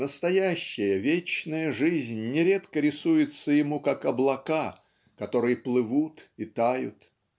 "настоящая вечная жизнь" нередко рисуется ему как облака которые плывут и тают.